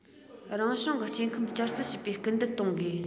རང བྱུང གི སྐྱེ ཁམས བསྐྱར གསོ བྱེད པར སྐུལ འདེད གཏོང དགོས